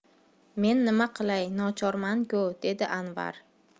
men nima qilay nochorman ku dedi anvar